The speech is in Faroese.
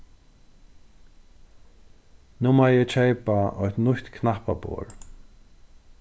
nú má eg keypa eitt nýtt knappaborð